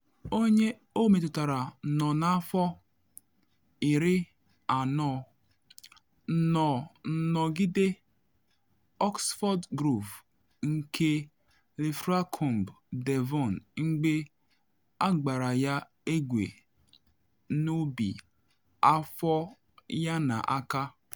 Onye ọ metụtara, nọ n’afọ 40, nọ n’ogige Oxford Grove nke llfracombe, Devon, mgbe agbara ya egbe n’obi, afọ yana aka.